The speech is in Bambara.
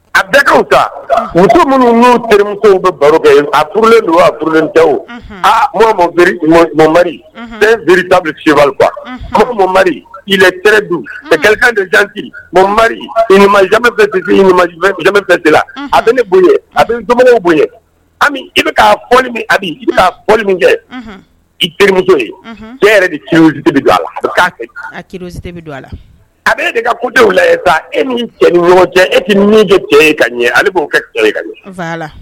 A bɛɛ ka ta muso minnu n' terimow bɛ baro yen aurlen don burlen da ha mɔ mariiri dabi fi mɔ mo marirekan jan mo marimɛ bɛɛ dela a bɛ ne boli a bɛ dumuni bonya ami i bɛ ka fɔ i bɛ ka fɔli min kɛ i terito ye e yɛrɛ de kibi don a la ki don a la a bɛ de ka kudenw la e ta e ni ni ɲɔgɔn cɛ e ka min kɛ ka ɲɛ ale b'o kɛ ka ɲɛ la